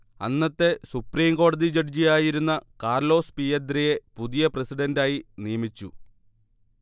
അന്നത്തെ സുപ്രീം കോടതി ജഡ്ജിയായിരുന്ന കാർലോസ് പിയദ്രയെ പുതിയ പ്രസിഡന്റായി നിയമിച്ചു